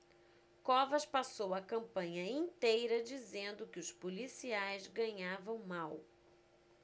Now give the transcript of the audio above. covas passou a campanha inteira dizendo que os policiais ganhavam mal